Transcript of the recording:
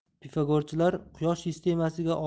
pifagorchilar quyosh sistemasiga